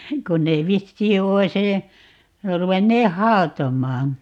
kun ne vissiin olisi - ruvenneet hautomaan